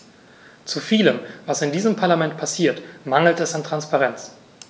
Zu vielem, was in diesem Parlament passiert, mangelt es an Transparenz.